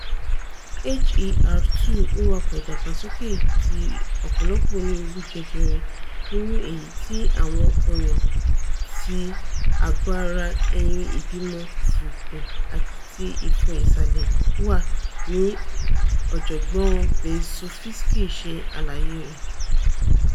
HER2 ''ńwakọ̀ ìdàgbàsókè ti ọ̀pọ̀lọpọ̀ onírúurú jẹjẹrẹ,'' nínú èyití ti àwọn ọyàn, tí àgọ́-ara ẹyin ìbímọ, fùùkû ati tí ìfun ìsàlẹ̀ wà, ni Ọ̀jọ̀gbọ́n Berzofsky ṣe àlàyé rẹ̀.